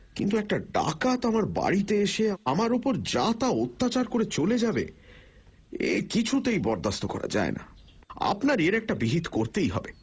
কিন্তু একটা ডাকাত আমার বাড়িতে এসে আমার ঘরে ঢুকে আমার উপর যা তা অত্যাচার করে চলে যাব কিছুতেই বরদাস্ত করা যায় না আপনার এর একটা বিহিত করতেই হবে